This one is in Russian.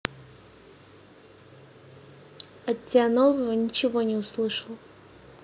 от тебя нового ничего не услышал